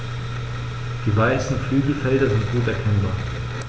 Die weißen Flügelfelder sind gut erkennbar.